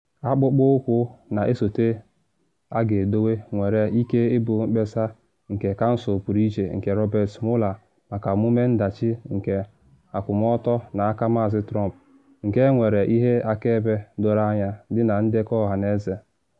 Akpụkpụ ụkwụ na esote a ga-edowe nwere ike ịbụ mkpesa nke kansụl pụrụ iche nke Robert Mueller maka ọmụme ndachi nke akwụmọtọ n’aka Maazị Trump, nke enwere ihe akaebe doro anya dị na ndekọ ọhaneze.